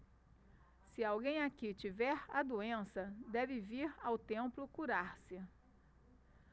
se alguém aqui tiver a doença deve vir ao templo curar-se